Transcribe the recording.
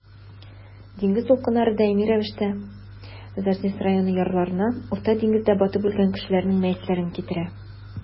Диңгез дулкыннары даими рәвештә Зарзис районы ярларына Урта диңгездә батып үлгән кешеләрнең мәетләрен китерә.